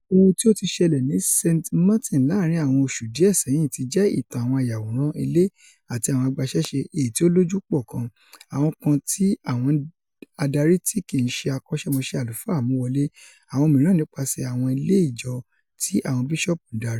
Ohun tí o ti ṣẹlẹ́ ni St. Martin láàrin àwọn oṣù díẹ̀ sẹ́yìn ti jẹ́ ìtàn àwọn ayàwòrán ilé àti àwọn agbaṣẹ́ṣé èyití ó lójú pọ kan, àwọn kan tí àwọn adari tí kìí ṣe akọ́ṣẹ́mọṣẹ́ àlùfáà mú wọlé, àwọn miran nípaṣẹ̀ àwọn ile ijo tí àwọn Bíṣọọbu ńdarí.